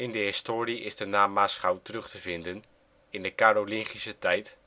historie is de naam Maasgouw terug te vinden in de Karolingische tijd